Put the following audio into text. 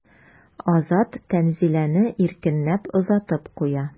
Азат Тәнзиләне иркенләп озатып куя.